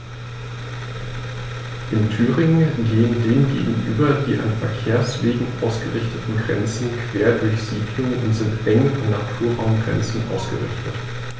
In Thüringen gehen dem gegenüber die an Verkehrswegen ausgerichteten Grenzen quer durch Siedlungen und sind eng an Naturraumgrenzen ausgerichtet.